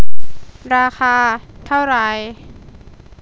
ราคาเท่าไหร่